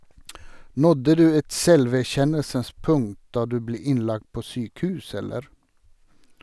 - Nådde du et selverkjennelsens punkt da du ble innlagt på sykehus, eller?